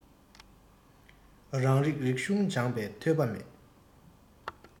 རང རིགས རིག གཞུང སྦྱངས པའི ཐོས པ མེད